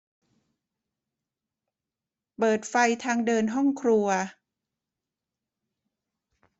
เปิดไฟทางเดินห้องครัว